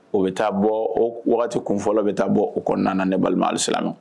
O bɛ taa bɔ o wagati kunfɔlɔ bɛ taa bɔ o kɔnɔnanan ne balima alisilamanw